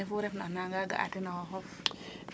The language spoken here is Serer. Kon année fu refna nanga ga'aa ten a xooxof ?